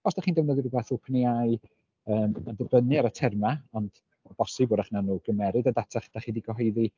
Os dach chi'n defnyddio rywbeth OpenAI yym ma'n dibynnu ar y termau ond bosib hwyrach wnawn nhw gymeryd y data ch- dach chi 'di gyhoeddi.